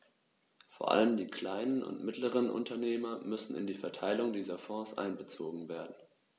Vor allem die kleinen und mittleren Unternehmer müssen in die Verteilung dieser Fonds einbezogen werden.